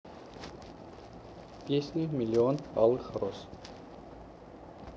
песня миллион алых роз